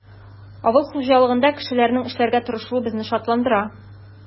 Авыл хуҗалыгында кешеләрнең эшләргә тырышуы безне шатландыра.